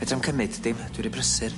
Fedra i'm cymyd dim, dwi ry brysur.